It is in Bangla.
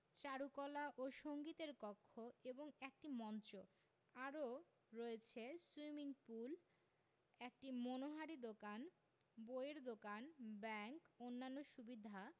চারুকলা ও সঙ্গীতের কক্ষ এবং একটি মঞ্চ আরও রয়েছে সুইমিং পুল একটি মনোহারী দোকান বইয়ের দোকান ব্যাংক অন্যান্য সুবিধা